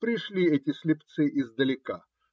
Пришли эти слепые издалека